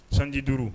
Sanji duuru